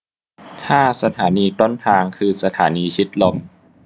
ถ้าสถานีต้นทางคือสถานีชิดลม